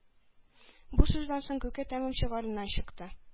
Бу сүздән соң Күке тәмам чыгарыннан чыкты.